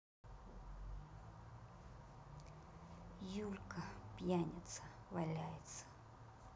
юлька пьяница валяется